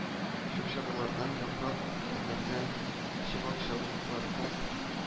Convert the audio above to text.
Чүп-чарлардан, яфрак-үләннәрдән, чыбык-чабыклардан